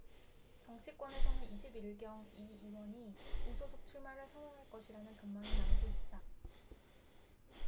정치권에서는 이십 일 경 이 의원이 무소속 출마를 선언할 것이라는 전망이 나오고 있다